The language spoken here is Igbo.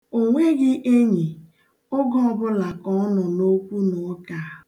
O nweghị enyi, oge ọbụla ka ọ nọ n'okwunụụka.